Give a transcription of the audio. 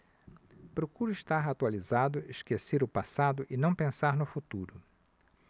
procuro estar atualizado esquecer o passado e não pensar no futuro